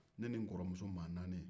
ne ni n kɔrɔmuso maa naani